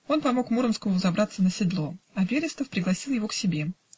Он помог Муромскому взобраться на седло, а Берестов пригласил его к себе.